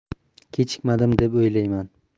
kechikmadim deb o'ylayman